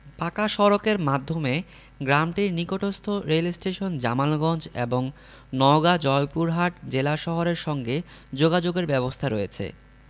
পাকা সড়কের মাধ্যমে গ্রামটির নিকটস্থ রেলস্টেশন জামালগঞ্জ এবং নওগাঁ জয়পুরহাট জেলা শহরের সঙ্গে যোগাযোগের ব্যবস্থা রয়েছে